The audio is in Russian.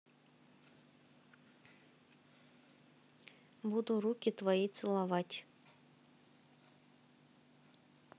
буду руки твои целовать